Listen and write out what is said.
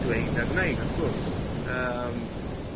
dweud na gwneud wrth gwrs. Yym.